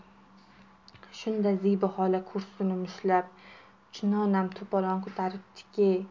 shunda zebi xola kursini mushtlab chunonam to'polon ko'taribdiki